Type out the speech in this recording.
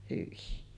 hyi